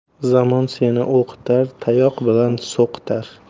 zamon seni o'qitar tayoq bilan so'qitar